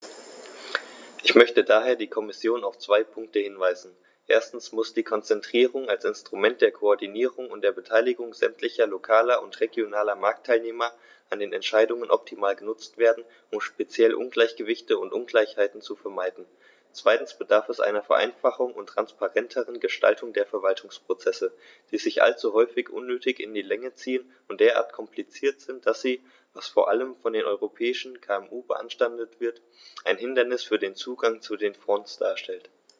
Ich möchte daher die Kommission auf zwei Punkte hinweisen: Erstens muss die Konzertierung als Instrument der Koordinierung und der Beteiligung sämtlicher lokaler und regionaler Marktteilnehmer an den Entscheidungen optimal genutzt werden, um speziell Ungleichgewichte und Ungleichheiten zu vermeiden; zweitens bedarf es einer Vereinfachung und transparenteren Gestaltung der Verwaltungsprozesse, die sich allzu häufig unnötig in die Länge ziehen und derart kompliziert sind, dass sie, was vor allem von den europäischen KMU beanstandet wird, ein Hindernis für den Zugang zu den Fonds darstellen.